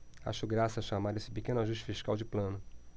acho graça chamar esse pequeno ajuste fiscal de plano